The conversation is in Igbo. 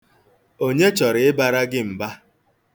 Onye chọrọ ịbara gị mba?